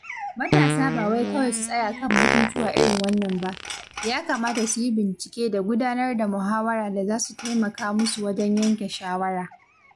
Matasa ba wai kawai su tsaya kan batutuwa irin wannan ba, ya kamata su yi bincike da gudanar da muhawara da za su taimaka musu wajen yanke shawara.